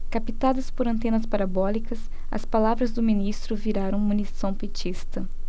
captadas por antenas parabólicas as palavras do ministro viraram munição petista